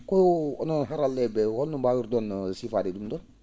ko onon harallee?e ?ee holno mbaawirton sifaade ?um ?oon